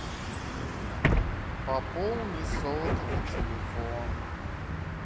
пополни сотовый телефон